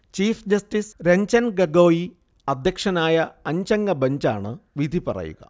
chief justice Ranjan Gogoi അധ്യക്ഷനായ അഞ്ചംഗ ബഞ്ചാണ് വിധിപറയുക